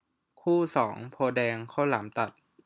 คู่สองโพธิ์แดงข้าวหลามตัด